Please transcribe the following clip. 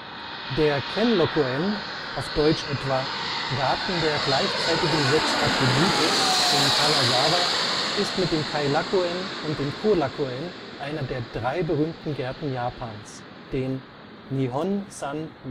Der Kenroku-en (jap. 兼六園, dt. Garten der gleichzeitigen 6 [Attribute]) in Kanazawa ist mit dem Kairaku-en und dem Koraku-en einer der Drei berühmten Gärten Japans (日本三名園, Nihon san meien